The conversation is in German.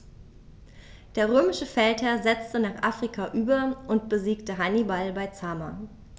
Der römische Feldherr setzte nach Afrika über und besiegte Hannibal bei Zama.